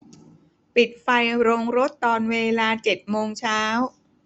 ปิดไฟโรงรถตอนเวลาเจ็ดโมงเช้า